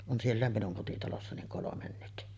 on siellä minun kotitalossa niin kolme nyt